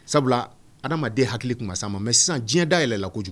Sabula adamaden hakili tun sa ma mɛ sisan diɲɛ da yɛlɛɛlɛn la kojugu